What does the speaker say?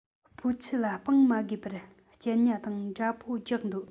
སྦོ ཆུ ལ སྦང མ དགོས པར རྐྱལ ཉ དང འདྲ པོ རྒྱག འདོད